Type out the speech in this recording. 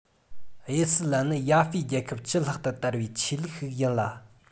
དབྱི སི ལན ནི ཡ ཧྥེ རྒྱལ ཁབ བཅུ ལྷག ཏུ དར བའི ཆོས ལུགས ཤིག ཡིན ལ